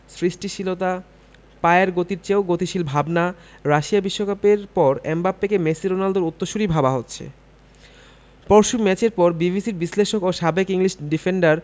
পায়ের গতির চেয়েও গতিশীল ভাবনা রাশিয়া বিশ্বকাপের পর এমবাপ্পেকে মেসি রোনালদোদের উত্তরসূরিই ভাবা হচ্ছে পরশু ম্যাচের পর বিবিসির বিশ্লেষক ও সাবেক ইংলিশ ডিফেন্ডার